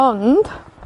Ond,